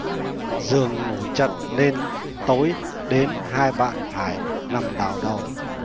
giường ngủ chật nên tối đến hai bạn phải nằm đảo đầu